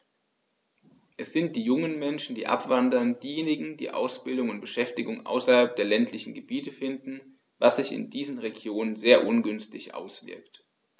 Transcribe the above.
Es sind die jungen Menschen, die abwandern, diejenigen, die Ausbildung und Beschäftigung außerhalb der ländlichen Gebiete finden, was sich in diesen Regionen sehr ungünstig auswirkt.